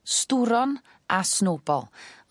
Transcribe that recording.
sturon a snowball.